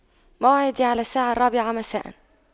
موعدي على الساعة الرابعة مساءا